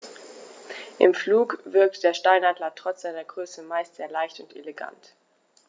Im Flug wirkt der Steinadler trotz seiner Größe meist sehr leicht und elegant.